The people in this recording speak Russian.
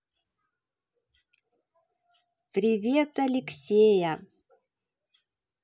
привет алексея